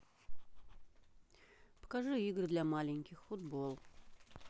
покажи игры для маленьких футбол